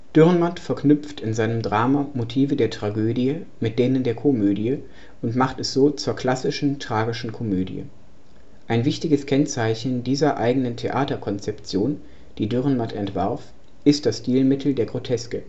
Dürrenmatt verknüpft in seinem Drama Motive der Tragödie mit denen der Komödie und macht es so zur klassischen Tragischen Komödie. Ein wichtiges Kennzeichen dieser eigenen Theaterkonzeption, die Dürrenmatt entwarf, ist das Stilmittel der Groteske